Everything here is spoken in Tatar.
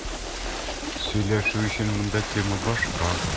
Сөйләшү өчен монда тема башка.